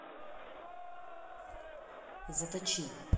заточи